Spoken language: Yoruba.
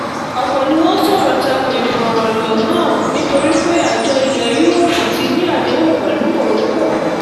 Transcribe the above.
Ọ̀pọ̀ ni wọ́n sọ̀rọ̀ tako ìfọ̀rànlọ̀ náà nítorí pé Àjọ ilẹ̀ Europe ti ní àdéhùn pẹ̀lú Morocco.